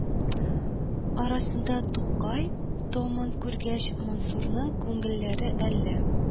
Арасында тукай томын күргәч, мансурның күңелләре әллә